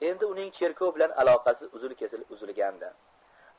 endi uning cherkov bilan aloqasi uzil kesil uzilgandi